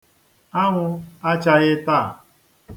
Anwụ achaghị taa.